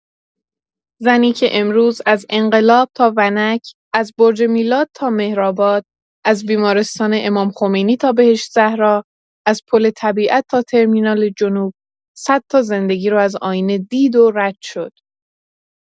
زنی که امروز از انقلاب تا ونک، از برج میلاد تا مهرآباد، از بیمارستان امام‌خمینی تا بهشت‌زهرا، از پل طبیعت تا ترمینال جنوب، صد تا زندگی رو از آینه دید و رد شد.